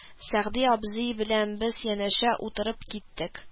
Сәгъди абзый белән без янәшә утырып киттек